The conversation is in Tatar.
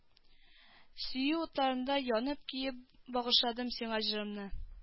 Сөю утларында янып-көеп багышладым сиңа җырымны